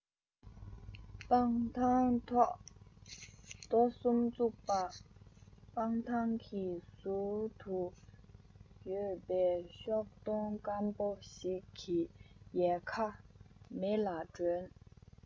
སྤང ཐང ཐོག རྡོ གསུམ བཙུགས པ སྤང ཐང གི ཟུར དུ ཡོད པའི ཤུག སྡོང སྐམ པོ ཞིག གི ཡལ ག མེ ལ སྒྲོན